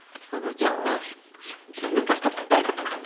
A mae'r diawl... o, alli di fynd dros dy ben.